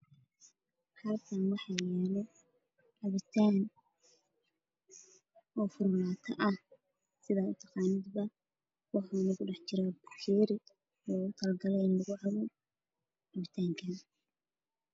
Halkan waxa yalo cabitan waxuna kudhexjira dhalo lagu cabo